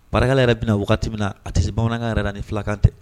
Baara yɛrɛ bɛna na wagati min na a ti se bamanan yɛrɛ ni fulakantɛ